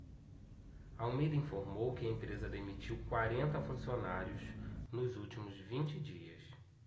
almeida informou que a empresa demitiu quarenta funcionários nos últimos vinte dias